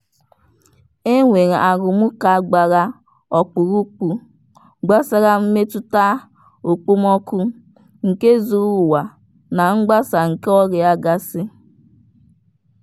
"E nwere arụmụka gbara ọkpụrụkpụ gbasara mmetụta okpomọkụ nke zuru ụwa na mgbasa nke ọrịa gasị.